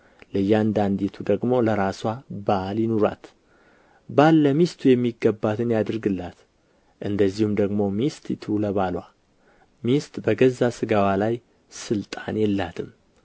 ለእያንዳንዲቱ ደግሞ ለራስዋ ባል ይኑራት ባል ለሚስቱ የሚገባትን ያድርግላት እንደዚሁም ደግሞ ሚስቲቱ ለባልዋ ሚስት በገዛ ሥጋዋ ላይ ሥልጣን የላትም